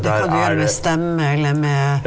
det kan du gjøre med stemme eller med?